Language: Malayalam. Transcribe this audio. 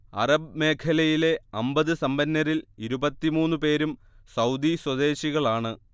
അറബ് മേഖലയിലെ അമ്പത് സമ്പന്നരിൽ ഇരുപത്തിമൂന്നു പേരും സൗദി സ്വദേശികളാണ്